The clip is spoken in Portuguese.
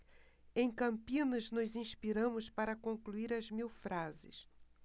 em campinas nos inspiramos para concluir as mil frases